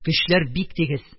Көчләр бик тигез: